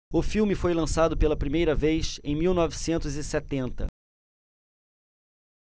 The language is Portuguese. o filme foi lançado pela primeira vez em mil novecentos e setenta